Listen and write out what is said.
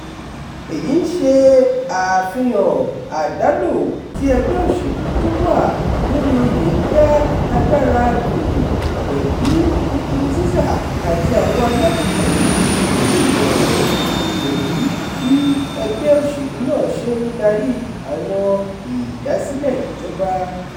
Èyí ń ṣe àfihàn àdálò tí ẹgbẹ́ òṣèlú tó wà lórí oyè ń dá agbára lò pẹ̀lú Nkurunziza àti àwọn alátìlẹyìn-in rẹ̀ pẹ̀lú bí ẹgbẹ́ òṣèlú náà ṣe ń darí àwọn ìdásílẹ̀ ìjọba.